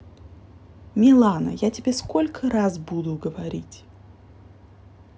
милана я тебе сколько раз буду говорить